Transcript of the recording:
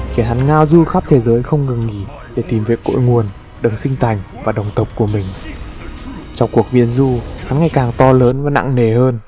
khiến hắn ngao du khắp thế giới không ngơi nghỉ để tìm về nguồn cội đấng sinh thành và đồng tộc của mình trong cuộc viễn du hắn ngày càng to lớn và nặng nề hơn